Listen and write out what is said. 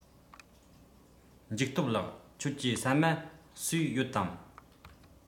འཇིགས སྟོབས ལགས ཁྱོད ཀྱིས ཟ མ ཟོས ཡོད དམ